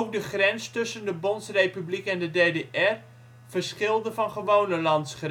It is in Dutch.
de grens tussen de Bondsrepubliek en de DDR verschilde van gewone landsgrenzen. Er